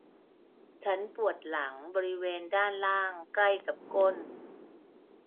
ฉันปวดหลังบริเวณด้านล่างใกล้กับก้น